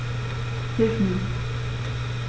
Hilf mir!